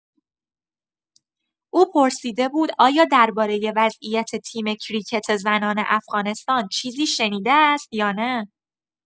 او پرسیده بود آیا درباره وضعیت تیم کریکت زنان افغانستان چیزی شنیده است یا نه؟